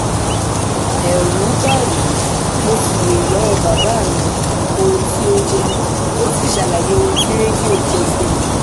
Ẹ̀rú bá mi mo sì béèrè lọ́wọ́ọ bàbáà mi ohun tí ó jẹ́, ó sì ṣàlàyé ohun tí rédíò jẹ́ fún mi.